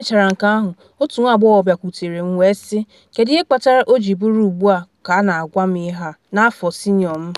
‘Ka emechara nke ahụ otu nwa agbọghọ biakwutere m nwee sị: ‘Kedu ihe kpatara o jiri bụrụ ugbu a ka a na-agwa m ihe a, n’afọ senịọ m?’